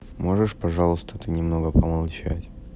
можешь пожалуйста ты немного помолчать